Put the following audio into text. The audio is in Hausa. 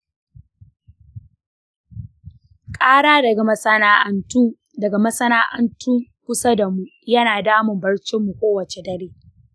ƙara daga masana’antu daga masana’antun kusa damu yana damun barcinmu kowace dare.